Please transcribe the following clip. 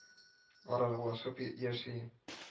Аралашып яши